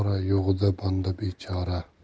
yo'g'ida banda bechora